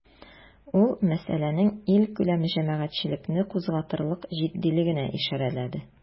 Ул мәсьәләнең илкүләм җәмәгатьчелекне кузгатырлык җитдилегенә ишарәләде.